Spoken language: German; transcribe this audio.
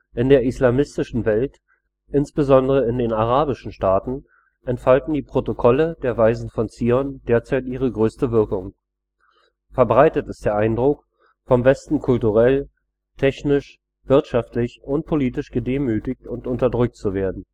In der islamischen Welt, insbesondere in den arabischen Staaten, entfalten die Protokolle der Weisen von Zion derzeit ihre größte Wirkung. Verbreitet ist der Eindruck, vom Westen kulturell, technisch, wirtschaftlich und politisch gedemütigt und unterdrückt zu werden